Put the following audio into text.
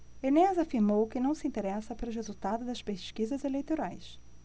enéas afirmou que não se interessa pelos resultados das pesquisas eleitorais